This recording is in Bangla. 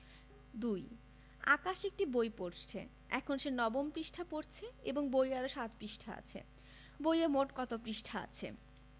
২ আকাশ একটি বই পড়ছে এখন সে নবম পৃষ্ঠা পড়ছে এবং বইয়ে আরও ৭ পৃষ্ঠা আছে বইয়ে মোট কত পৃষ্ঠা আছে